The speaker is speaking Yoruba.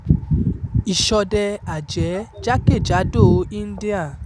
Ìṣọdẹ-àjẹ́ jákèjádò India